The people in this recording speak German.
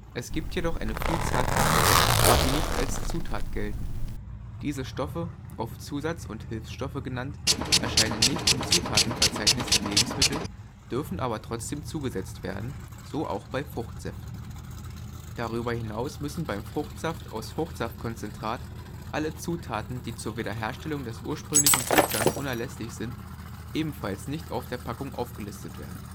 Es gibt jedoch eine Vielzahl von Stoffen, die nicht als Zutat gelten. Diese Stoffe, oft Zusatz - und Hilfsstoffe genannt, erscheinen nicht im Zutatenverzeichnis der Lebensmittel, dürfen aber trotzdem zugesetzt werden, so auch bei Fruchtsäften. Darüber hinaus müssen beim Fruchtsaft aus Fruchtsaftkonzentrat alle Zutaten, die zur Wiederherstellung des ursprünglichen Zustands unerlässlich sind, ebenfalls nicht auf der Packung aufgelistet werden